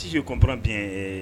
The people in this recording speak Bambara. Tu ye kɔnppi